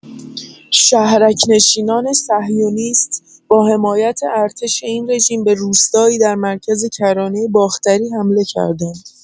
شهرک‌نشینان صهیونیست با حمایت ارتش این رژیم به روستایی در مرکز کرانه باختری حمله کردند.